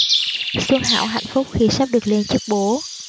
xuân hảo hạnh phúc khi sắp được lên chức bố